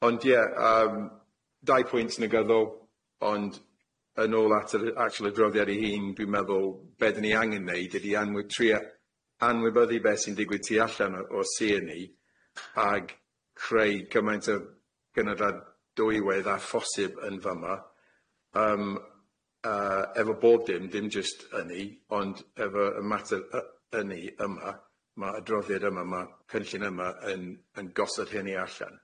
Ond ie yym dau pwynt negyddol ond yn ôl at yr yy actual adroddiad ei hun dwi'n meddwl be' dyn ni angen neud ydi anwy- tria- anwybyddu be' sy'n digwydd tu allan o o Sir ni ag creu cymaint o gynydda dwywedd a phosib yn fa' ma' yym yy efo bob dim dim jyst ynni ond efo y mater y- ynni yma ma' adroddiad yma ma' cynllun yma yn yn gosod hynny allan.